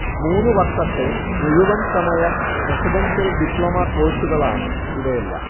മൂന്നുവർഷത്തെ മുഴുവൻ സമയ residential diploma കോഴ്സുകളാണ് ഇവയെല്ലാം